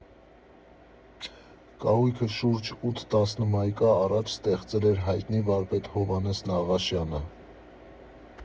Կահույքը շուրջ ութ տասնմայկա առաջ ստեղծել էր հայնտի վարպետ Հովհաննես Նաղաշյանը։